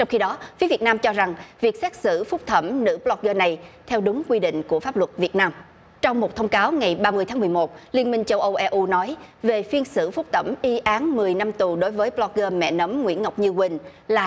trong khi đó phía việt nam cho rằng việc xét xử phúc thẩm nữ bờ lốc gơ này theo đúng quy định của pháp luật việt nam trong một thông cáo ngày ba mươi tháng mười một liên minh châu âu e u nói về phiên xử phúc thẩm y án mười năm tù đối với bờ lốc gơ mẹ nấm nguyễn ngọc như quỳnh là